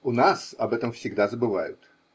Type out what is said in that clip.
У нас об этом всегда забывают.